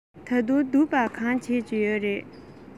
ད དུང སྡུག པ གང བྱེད ཀྱི ཡོད རས